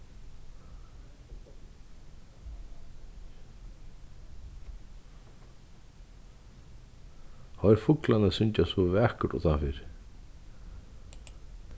hoyr fuglarnar syngja so vakurt uttanfyri